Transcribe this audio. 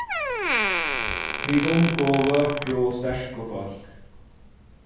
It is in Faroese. tit ungu og vøkru og sterku fólk